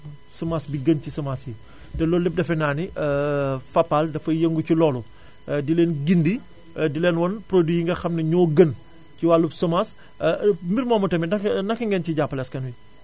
semence bi gën ci semence yi te loolu lépp defe naa ni Fapal dafay yëngu ci loolu di leen gindi di leen wan produits yi nga xam ne ñoo gën ci wàllu semence mbir moomu tamit naka naka ngeen ciy jàppalee askan wi